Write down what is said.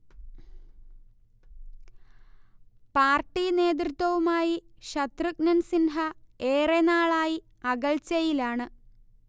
party നേതൃത്വവുമായി ശത്രുഘ്നൻ സിൻഹ ഏറെ നാളായി അകൽച്ചയിലാണ്